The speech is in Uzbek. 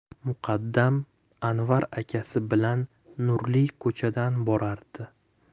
muqaddam anvar akasi bilan nurli ko'chadan borardi